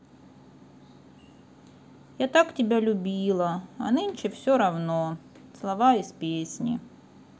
я так тебя любила а нынче все равно слова из песни